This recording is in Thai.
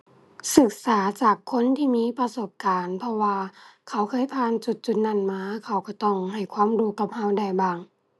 ศึกษาจากคนที่มีประสบการณ์เพราะว่าเขาเคยผ่านจุดจุดนั้นมา เขาก็ต้องให้ความรู้กับก็ได้บ้าง